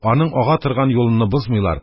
Аның ага торган юлыны бозмыйлар,